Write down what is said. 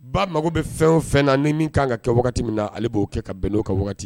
Ba mago bɛ fɛn o fɛn na ni min ka kan ka kɛ min na ale b'o kɛ ka bɛn n'o ka